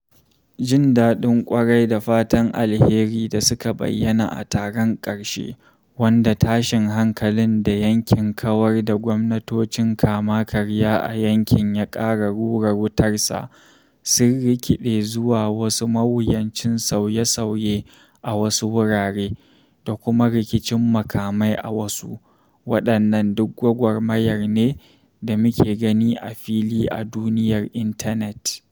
Jin daɗin ƙwarai da fatan alheri da suka bayyana a taron ƙarshe — wanda tashin hankalin da yaƙin kawar da gwamnatocin kama-karya a yankin ya ƙara rura wutarsa — sun rikide zuwa wasu mawuyacin sauye-sauye a wasu wurare, da kuma rikicin makamai a wasu. Waɗannan duk gwagwarmayar ne da muke gani a fili a duniyar intanet.